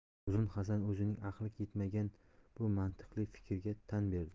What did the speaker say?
uzun hasan o'zining aqli yetmagan bu mantiqli fikr ga tan berdi